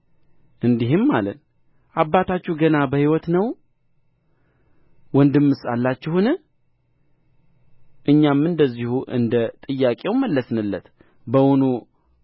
እንዲህም አለን አባታችሁ ገና በሕይወት ነው ወንድምስ አላችሁን እኛም እንደዚሁ እንደ ጥያቄው መለስንለት በውኑ